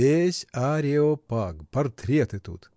— Весь ареопаг — и портреты тут!